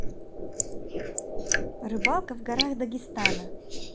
рыбалка в горах дагестана